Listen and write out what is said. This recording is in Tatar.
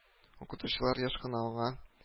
Укытучылар еш кына аңа